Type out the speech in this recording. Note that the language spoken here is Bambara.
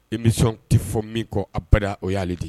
Emission tɛ fɔn min kɔ abada o y'ale de ye